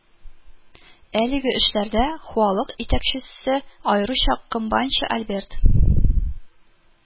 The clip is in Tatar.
Әлеге эшләрдә хуалык итәкчесе аеруча комбайнчы Альберт